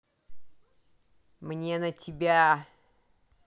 мне на тебя